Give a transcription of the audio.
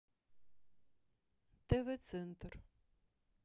тв центр